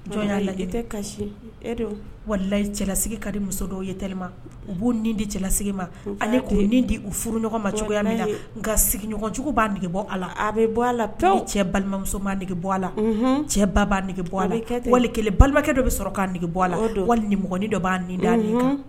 Jɔn wali cɛlalasigi ka di muso dɔw u b' nin di cɛla ma ale di u furu ɲɔgɔn maya la nka sigiɲɔgɔncogo b' bɔ a la a bɛ bɔ a la balimamusoge bɔ a la cɛ ba bɔ a wali balimakɛ dɔ bɛ sɔrɔ' bɔ a la nimɔgɔin dɔ b'a nin da